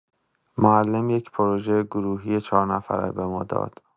معلم یک پروژه گروهی چهارنفره به ما داد.